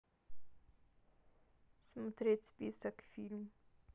смотреть список фильм